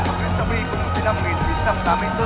những người bạn thân